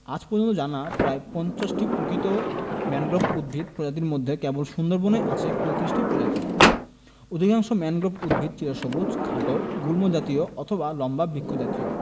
আজ পর্যন্ত জানা প্রায় ৫০টি প্রকৃত ম্যানগ্রোভ উদ্ভিদ প্রজাতির মধ্যে কেবল সুন্দরবনেই আছে ৩৫টি প্রজাতি অধিকাংশ ম্যানগ্রোভ উদ্ভিদ চিরসবুজ খাটো গুল্মজাতীয় অথবা লম্বা বৃক্ষজাতীয়